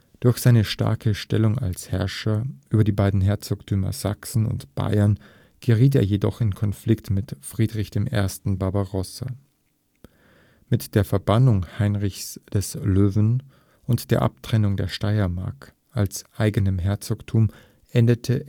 Durch seine starke Stellung als Herrscher über die beiden Herzogtümer Sachsen und Bayern geriet er jedoch in Konflikt mit Friedrich I. Barbarossa. Mit der Verbannung Heinrichs des Löwen und der Abtrennung der Steiermark als eigenem Herzogtum endete